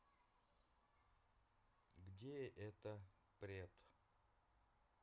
где это прет